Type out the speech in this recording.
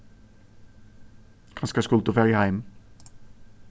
kanska skuldi tú farið heim